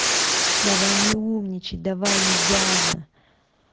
давай не умничай давай недавно